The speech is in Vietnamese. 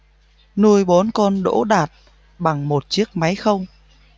nuôi bốn con đỗ đạt bằng một chiếc máy khâu